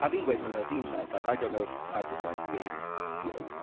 A fi'n gweud hwn fel dyn traws like I don't know if I'm just like, being, you know...